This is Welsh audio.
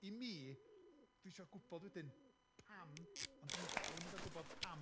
i mi, dwi isio gwybod wedyn pam, ond dan ni dal ddim yn cael gwybod pam,